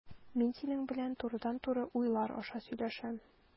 Мин синең белән турыдан-туры уйлар аша сөйләшәм.